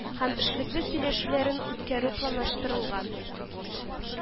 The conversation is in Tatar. Һәм эшлекле сөйләшүләрен үткәрү планлаштырылган